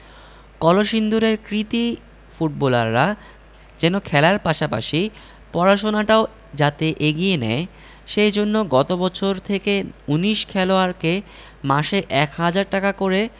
কলসিন্দুরের কৃতী ফুটবলাররা যেন খেলার পাশাপাশি পড়াশোনাটাও যাতে এগিয়ে নেয় সে জন্য গত বছর থেকে ১৯ খেলোয়াড়কে মাসে ১ হাজার টাকা করে